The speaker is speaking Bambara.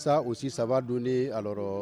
Walasa osi saba don de a sɔrɔ